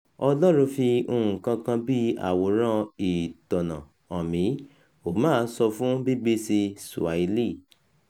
"Ọlọ́run fi nǹkankan bí àwòrán-ìtọ́nà hàn mí", Ouma sọ fún BBC Swahili.